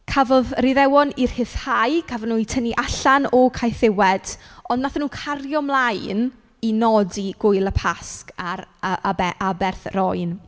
Cafodd yr Iddewon eu rhyddhau. Cafon nhw eu tynnu allan o caethiwed, ond wnaethon nhw cario ymlaen i nodi gwyl y Pasg a'r a- abe- aberth yr oen.